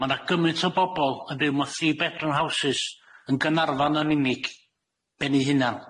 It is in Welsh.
Ma' 'na gymaint o bobol yn byw mewn thrî bedrwm howsus yn Gaernarfon yn unig ben 'i hunan.